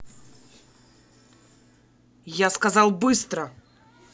я сказал быстро